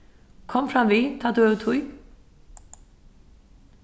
kom framvið tá tú hevur tíð